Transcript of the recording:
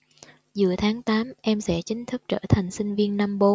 giữa tháng tám em sẽ chính thức trở thành sinh viên năm bốn